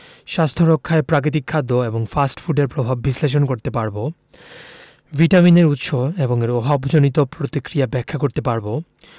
স্বাস্থ্য রক্ষায় প্রাকৃতিক খাদ্য এবং ফাস্ট ফুডের প্রভাব বিশ্লেষণ করতে পারব ভিটামিনের উৎস এবং এর অভাবজনিত প্রতিক্রিয়া ব্যাখ্যা করতে পারব